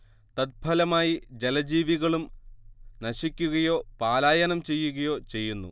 തത്ഫലമായി ജലജീവികളും നശിക്കുകയോ പലായനം ചെയ്യുകയോ ചെയ്യുന്നു